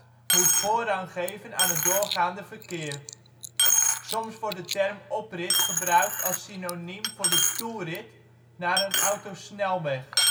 voorrang geven aan het doorgaande verkeer. Soms wordt de term oprit gebruikt als synoniem voor de toerit naar een autosnelweg